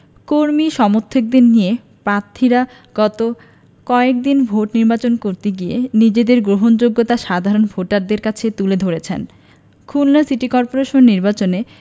কর্মী সমর্থকদের নিয়ে প্রার্থীরা গত কয়েক দিনে ভোট প্রার্থনা করতে গিয়ে নিজেদের গ্রহণযোগ্যতা সাধারণ ভোটারদের কাছে তুলে ধরেছেন খুলনা সিটি করপোরেশন নির্বাচনে